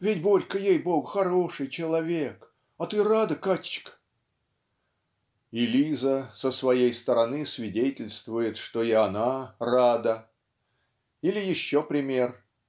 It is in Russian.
Ведь Борька, ей-Богу, хороший человек. А ты рада Катечка?" И Лиза с своей стороны свидетельствует что и она рада. Или еще пример